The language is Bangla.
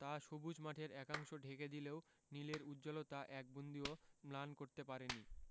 তা সবুজ মাঠের একাংশ ঢেকে দিলেও নীলের উজ্জ্বলতা এক বিন্দুও ম্লান করতে পারেনি